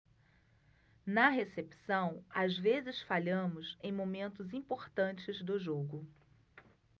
na recepção às vezes falhamos em momentos importantes do jogo